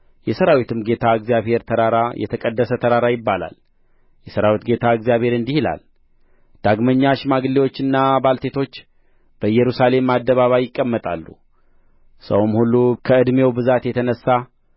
የሠራዊትም ጌታ የእግዚአብሔር ተራራ የተቀደሰ ተራራ ይባላል የሠራዊት ጌታ እግዚአብሔር እንዲህ ይላል ዳግመኛ ሽማግሌዎችና ባልቴቶች በኢየሩሳሌም አደባባይ ይቀመጣሉ ሰውም ሁሉ ከዕድሜው ብዛት የተነሣ